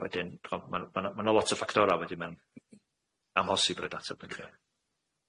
A wedyn ch'od ma' n'w ma' n'w ma' n'w lot o ffactora wedyn mewn amhosib rhoi atab i'r cre-.